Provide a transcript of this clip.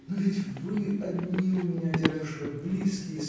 – Но ведь вы одни у меня, дядюшка, близкие